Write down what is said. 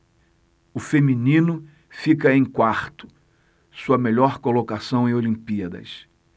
o feminino fica em quarto sua melhor colocação em olimpíadas